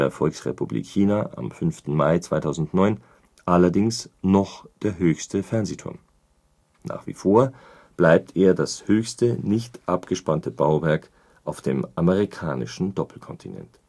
Volksrepublik China am 5. Mai 2009 allerdings noch der höchste Fernsehturm. Nach wie vor bleibt er das höchste nicht abgespannte Bauwerk auf dem amerikanischen Doppelkontinent